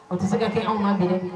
O tɛ se ka kɛ anw ma gɛlɛn dɛ